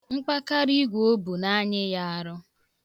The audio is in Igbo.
Mkpakariigwe o bu na anyị ya arụ.